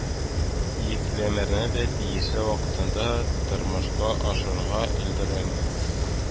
Йөкләмәләрне дә тиешле вакытка тормышка ашырырга өлгерә ме